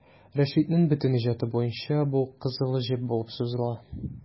Рәшитнең бөтен иҗаты буена бу кызыл җеп булып сузыла.